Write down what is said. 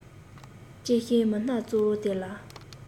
ལྕེབས ཤིང མི སྣ གཙོ བ དེ ལ